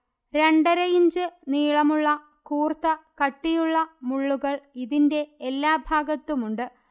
രണ്ടരയിഞ്ച് നീളമുള്ള കൂർത്ത കട്ടിയുള്ള മുള്ളുകൾ ഇതിന്റെ എല്ലാഭാഗത്തുമുണ്ട്